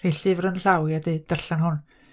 rhoi llyfr yn 'yn llaw i a deud "darllen hwn."